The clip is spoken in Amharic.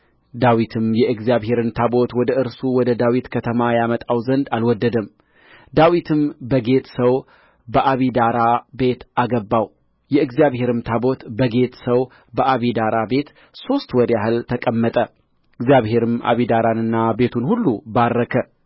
ዳዊትም የእግዚአብሔርን ታቦት ወደ እርሱ ወደ ዳዊት ከተማ ያመጣው ዘንድ አልወደደም ዳዊትም በጌት ሰው በአቢዳራ ቤት አገባው የእግዚአብሔርም ታቦት በጌት ሰው በአቢዳራ ቤት ሦስት ወር ያህል ተቀመጠ እግዚአብሔርም አቢዳራንና ቤቱን ሁሉ ባረከ